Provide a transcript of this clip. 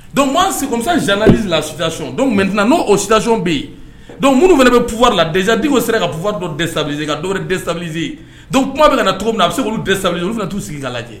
Don maa segukisɛ la dont n'o sidati bɛ yen dɔnku minnu fana bɛ pffala dɛsɛzsaigi sera ka pffadɔ dee dɔw dɛsɛ sabaze don kuma bɛ cogo min na a se' dɛsɛ olu fana t' sigi ka lajɛ